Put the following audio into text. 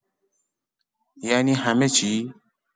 ینی همه چی